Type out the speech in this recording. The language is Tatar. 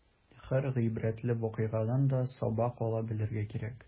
Һәр гыйбрәтле вакыйгадан да сабак ала белергә кирәк.